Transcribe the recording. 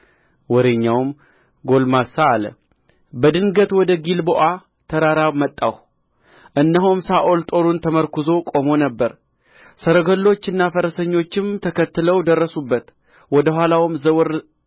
ወሬኛውም ጕልማሳ አለ በድንገት ወደ ጊልቦዓ ተራራ መጣሁ እነሆም ሳኦል ጦሩን ተመርኵዞ ቆሞ ነበር ሰረገሎችና ፈረሰኞችም ተከትለው ደረሱበት ወደ ኋላውም ዘወር